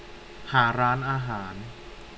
หาร้านอาหาร